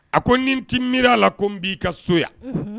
A ko ni n ti miir'a la ko n b'i ka so yan unhun